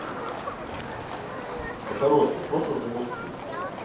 да хорошая просто замолчи